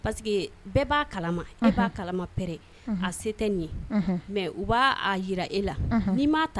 'a e'aɛ a se tɛ nin ye mɛ u b'a jirara e la'